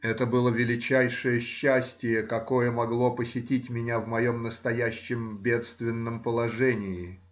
Это было величайшее счастие, какое могло посетить меня в моем настоящем бедственном положении.